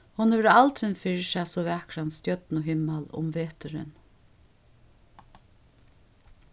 hon hevur aldrin fyrr sæð so vakran stjørnuhimmal um veturin